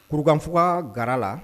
Kurukanf ga la